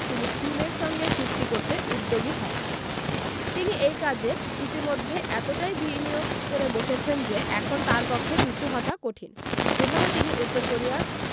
তিনি কিমের সঙ্গে চুক্তি করতে উদ্যোগী হন তিনি এই কাজে ইতিমধ্যে এতটাই বিনিয়োগ করে বসেছেন যে এখন তাঁর পক্ষে পিছু হটা কঠিন যেভাবে তিনি উত্তর কোরিয়া